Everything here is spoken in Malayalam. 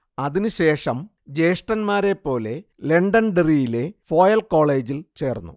അതിനു ശേഷം ജ്യേഷ്ഠന്മാരെപ്പോലെ ലണ്ടൻഡെറിയിലെ ഫോയൽ കോളേജിൽ ചേർന്നു